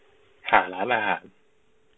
หาร้านอาหาร